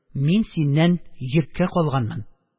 Мин синнән йөккә калганмын